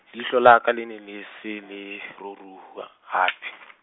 leihlo la ka le ne le se le, ruruha, hape.